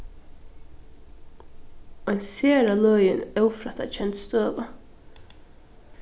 ein sera løgin ófrættakend støða